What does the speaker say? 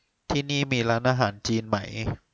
ที่นี่มีร้านอาหารจีนไหม